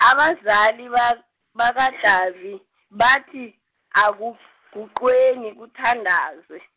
abazali bak- bakaDavi bathi, akuguqweni kuthandazwe.